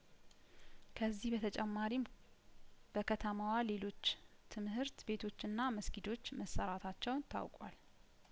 ከዚህ በተጨማሪም በከተማዋ ሌሎች ትምህርት ቤቶችና መስጊዶች ማሰራታቸውን ታውቋል